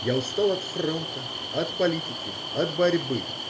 Я устал от фронта, от политики, от борьбы.